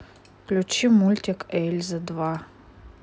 включи мультик эльза два